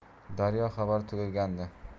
daryo xabari tugagandi